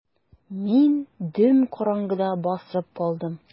Мин дөм караңгыда басып калдым.